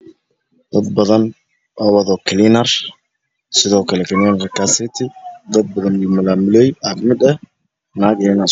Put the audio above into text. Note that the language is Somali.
Waa dad badan oo nadiifiyaal ah ama milaamiley ah naago iyo niman.